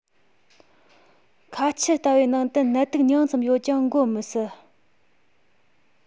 ཁ ཆུ ལྟ བུའི ནང དུ ནད དུག ཉུང ཙམ ཡོད ཀྱང འགོ མི སྲིད